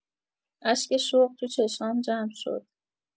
اشک شوق تو چشام جمع شد!